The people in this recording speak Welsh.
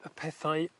y pethau